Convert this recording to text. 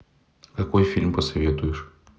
какой фильм посоветуешь